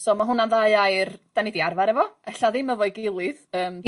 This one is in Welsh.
Soma' hwnna'n ddau air 'dan ni 'di arfar efo ella ddim efo'i gilydd ymm